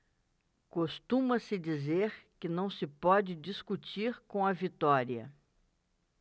costuma-se dizer que não se pode discutir com a vitória